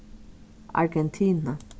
argentina